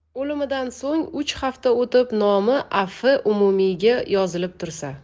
o'limidan so'ng uch hafta o'tib nomi afvi umumiyga yozilib tursa